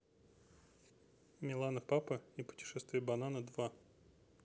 милана папа и путешествие банана два